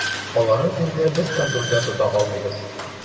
Аларын инде без контрольдә тота алмыйбыз.